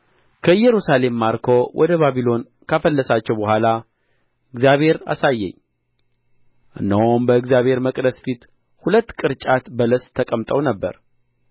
ከኢየሩሳሌም ማርኮ ወደ ባቢሎን ካፈለሳቸው በኋላ እግዚአብሔር አሳየኝ እነሆም በእግዚአብሔር መቅደስ ፊት ሁለት ቅርጫት በለስ ተቀምጠው ነበር